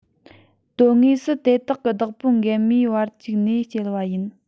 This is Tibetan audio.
དོན དངོས སུ དེ དག གིས བདག པོ མགལ མའི བར བཅུག ནས སྐྱེལ བ ཡིན